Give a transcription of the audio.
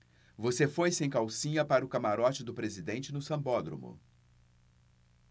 você foi sem calcinha para o camarote do presidente no sambódromo